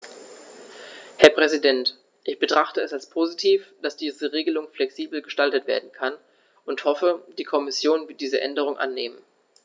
Herr Präsident, ich betrachte es als positiv, dass diese Regelung flexibel gestaltet werden kann und hoffe, die Kommission wird diese Änderung annehmen.